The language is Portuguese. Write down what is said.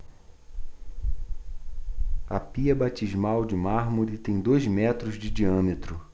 a pia batismal de mármore tem dois metros de diâmetro